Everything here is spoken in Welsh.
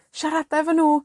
Siarada efo nw!